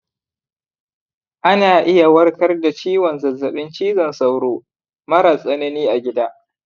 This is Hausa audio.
ana iya warkar da ciwon zazzabin cizon sauro mara tsanani a gida